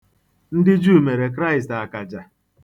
Ndị Juu mere Kraịst akaja.